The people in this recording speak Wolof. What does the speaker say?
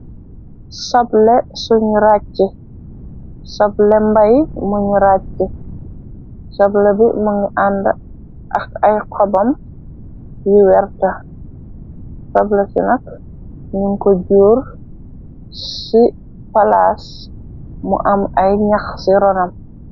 Soble mbay mañu rajchi soble bi mëngi ànd ax ay xobam yu werte soble ci nax nin ko jóur ci palaas mu am ay ñax ci ronam.